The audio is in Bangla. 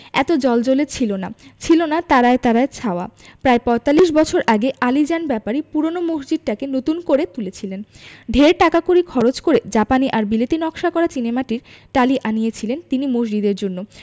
এত জ্বলজ্বলে ছিল না ছিলনা তারায় তারায় ছাওয়া প্রায় পঁয়তাল্লিশ বছর আগে আলীজান ব্যাপারী পূরোনো মসজিদটাকে নতুন করে তুলেছিলেন ঢের টাকাকড়ি খরচ করে জাপানি আর বিলেতী নকশা করা চীনেমাটির টালি আনিয়েছিলেন তিনি মসজিদের জন্য